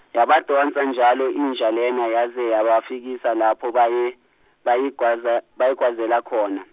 yabadonsa njalo inja lena, yaze yabafikisa lapho baye, bayigwaza- bayigwazela khona.